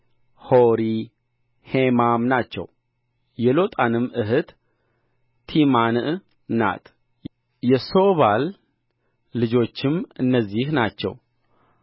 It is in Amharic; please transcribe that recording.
ሖሪ ሄማም ናቸው የሎጣንም እኅት ቲምናዕ ናት የሦባል ልጆችም እነዚህ ናቸው